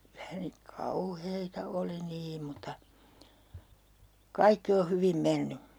kyllä ne niin kauheita oli niin mutta kaikki on hyvin mennyt